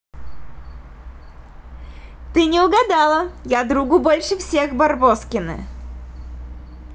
ты не угадала я другу больше всех барбоскины